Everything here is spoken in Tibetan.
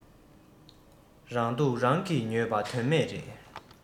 རང སྡུག རང གིས ཉོས པ དོན མེད རེད